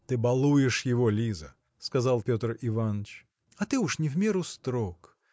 – Ты балуешь его, Лиза, – сказал Петр Иваныч. – А ты уж не в меру строг.